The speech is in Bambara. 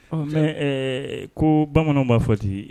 Ɛɛ ko bamananw ba fɔ ten